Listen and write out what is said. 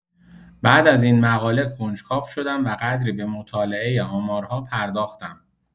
بعد از این مقاله کنجکاو شدم و قدری به مطالعه آمارها پرداختم.